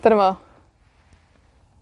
Be dwi'n me'wl?